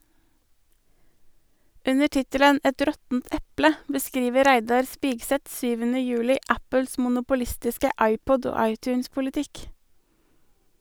Under tittelen "Et råttent eple" beskriver Reidar Spigseth 7. juli Apples monopolistiske iPod- og iTunes-politikk.